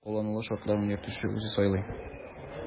Ә кулланылу шартларын йөртүче үзе сайлый.